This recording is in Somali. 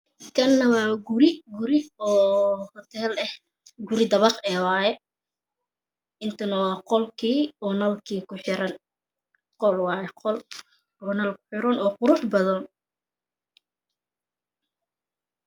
Kana waa guri oo hutel eh guri dabaq ehe waaye intana waa qolkii oo nalkii ku xiran qol waaye qol oo nal ku xiran oo quruxbdan